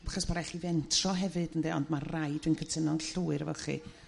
Achos bo' rai' chi fentro hefyd ynde ond ma' rai dwi'n cytuno'n llwyr efo chi.